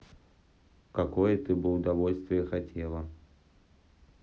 какое ты бы удовольствие хотела